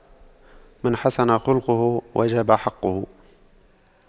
من حسن خُلقُه وجب حقُّه